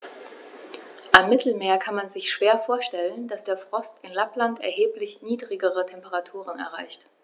Am Mittelmeer kann man sich schwer vorstellen, dass der Frost in Lappland erheblich niedrigere Temperaturen erreicht.